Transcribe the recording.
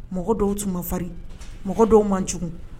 Mɔgɔ dɔw tun ma farinri mɔgɔ dɔw man jugu